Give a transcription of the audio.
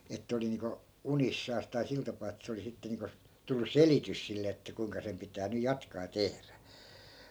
että oli niin kuin unissaan tai sillä tapaa että se oli sitten niin kuin tullut selitys sille että kuinka sen pitää nyt jatkaa ja tehdä